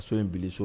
Ka in bilisi so